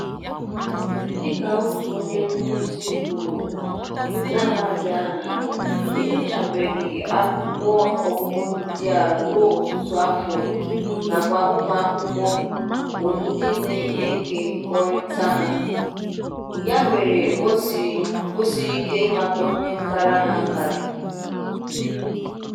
Dịka otu onye nkụzi kwuru n'amaghị aha ya, enyochabeghị akwụkwọ ọgụgụ ndị a ruo ọtụtụ afọ, nakwa ụmụakwụkwọ bụ ndị na-ekekọrịta ha, ya mere o siri ike ịmata onye kara ha akara.